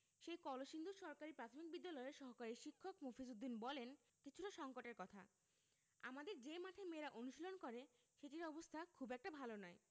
সেই কলসিন্দুর সরকারি প্রাথমিক বিদ্যালয়ের সহকারী শিক্ষক মফিজ উদ্দিন বলেন কিছু সংকটের কথা আমাদের যে মাঠে মেয়েরা অনুশীলন করে সেটির অবস্থা খুব একটা ভালো নয়